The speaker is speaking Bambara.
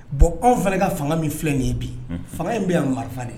Bɔn anw fana ka fanga min filɛ nin ye bi. Unhun. Fanga in bɛ yan marifa de